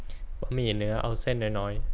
บะหมี่เนื้อเอาเส้นน้อยๆ